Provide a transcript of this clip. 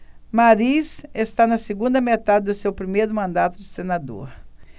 mariz está na segunda metade do seu primeiro mandato de senador